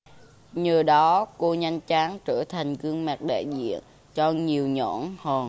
nhờ đó cô nhanh chóng trở thành gương mặt đại diện cho nhiều nhãn hàng